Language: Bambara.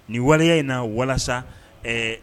Nin waleya in na walasa ɛɛ